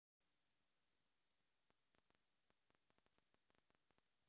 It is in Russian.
коварные домохозяйки